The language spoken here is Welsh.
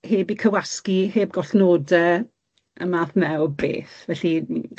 heb 'i cywasgu heb gollnode y math 'ne o beth, felly m-